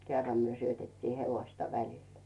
kerran me syötettiin hevosta välillä